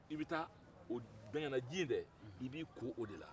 i bɛ taa bɛgɛn na ji in de i b'i ko o de la